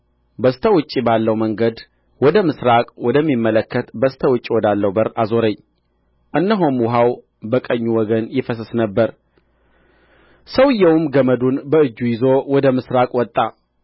በስተ ውጭ ባለው መንገድ ወደ ምሥራቅ ወደሚመለከት በስተ ውጭ ወዳለው በር አዞረኝ እነሆም ውኃው በቀኙ ወገን ይፈስስ ነበር ሰውዬውም ገመዱን በእጁ ይዞ ወደ ምሥራቅ ወጣ